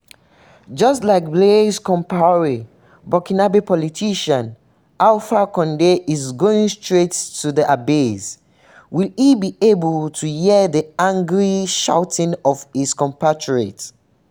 Just like Blaise Compaoré [Burkinabé politician] Alpha Condé is going straight to the abyss, Will he be able to hear the angry shouting of his compatriots?